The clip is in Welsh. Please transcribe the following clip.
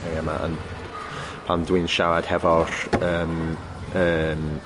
thing yma, yn pan dwi'n siarad hefo'r yym yn